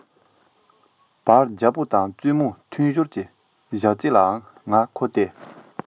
བར རྒྱལ པོ དང བཙུན མོའི མཐུན སྦྱོར གྱི སྦྱར རྩི ལའང ང མཁོ སྟེ